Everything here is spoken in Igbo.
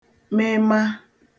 mema